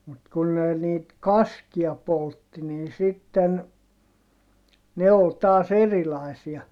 mutta kun ne niitä kaskia poltti niin sitten ne oli taas erilaisia